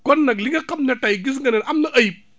kon nag li nga xam ne tey gis nga ne am na ayib